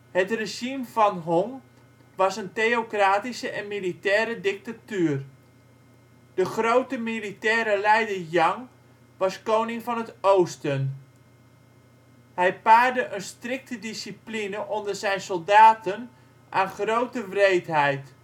Het regime van Hong was een theocratische en militaire dictatuur. De grote militaire leider Yang was Koning van het Oosten. Hij paarde een strikte discipline onder zijn soldaten aan grote wreedheid